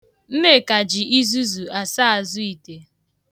Nneka ji izuzu asa azụ ite.